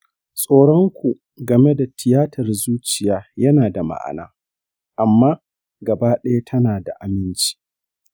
tsoron ku game da tiyatar zuciya yana da ma'ana amma gaba ɗaya tana da aminci.